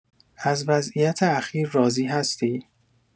از وضعیت اخیر راضی هستی؟